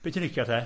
Be ti'n licio te?